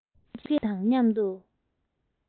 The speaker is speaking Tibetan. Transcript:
ངུ སྐད གཅིག དང མཉམ དུ